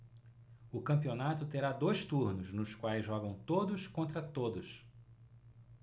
o campeonato terá dois turnos nos quais jogam todos contra todos